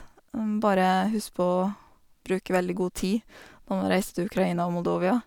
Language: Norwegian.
Bare husk på å bruke veldig god tid når man reiser til Ukraina og Moldovia.